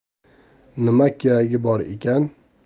nima keragi bor ekan